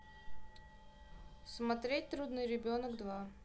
смотреть трудный ребенок два